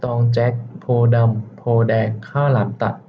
ตองแจ็คโพธิ์ดำโพธิ์แดงข้าวหลามตัด